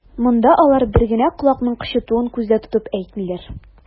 Монда алар бер генә колакның кычытуын күздә тотып әйтмиләр.